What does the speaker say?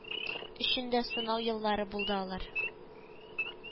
Өчен дә сынау еллары булды алар